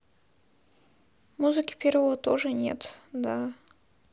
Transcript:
музыки первого тоже нет да